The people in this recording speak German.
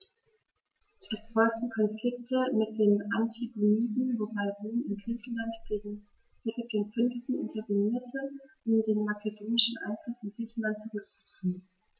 Es folgten Konflikte mit den Antigoniden, wobei Rom in Griechenland gegen Philipp V. intervenierte, um den makedonischen Einfluss in Griechenland zurückzudrängen.